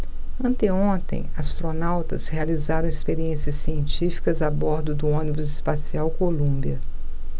anteontem astronautas realizaram experiências científicas a bordo do ônibus espacial columbia